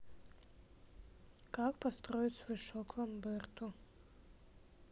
как построить свой шок ламберту